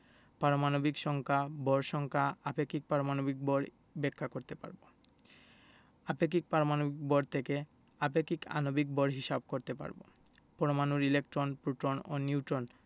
পারমাণবিক সংখ্যা ভর সংখ্যা আপেক্ষিক পারমাণবিক ভর ব্যাখ্যা করতে পারব আপেক্ষিক পারমাণবিক ভর থেকে আপেক্ষিক আণবিক ভর হিসাব করতে পারব পরমাণুর ইলেকট্রন প্রোটন ও নিউট্রন